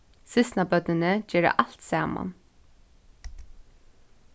systkinabørnini gera alt saman